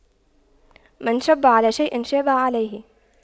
من شَبَّ على شيء شاب عليه